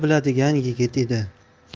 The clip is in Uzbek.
biladigan yigit edi